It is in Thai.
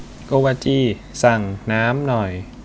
โกวาจีสั่งน้ำหน่อย